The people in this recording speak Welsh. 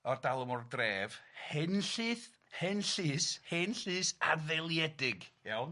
'o'r dalwm o'r dref henllyth henllys henllys adfeiliedig' iawn?